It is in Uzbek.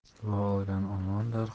duo olgan omondir